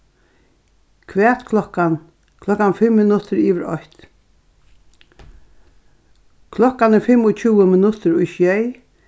hvat klokkan klokkan fimm minuttir yvir eitt klokkan er fimmogtjúgu minuttir í sjey